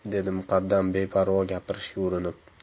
dedi muqaddam beparvo gapirishga urinib